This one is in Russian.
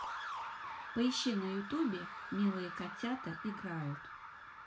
поищи на ютубе милые котята играют